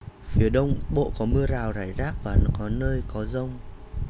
phía đông bắc bộ có mưa rào rải rác và có nơi có dông